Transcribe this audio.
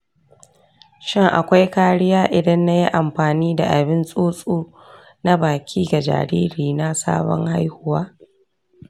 shin akwai kariya idan na yi amfani da abin tsotso na baki ga jaririna sabon haihuwa?